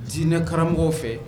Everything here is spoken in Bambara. Jinɛinɛ karamɔgɔ fɛ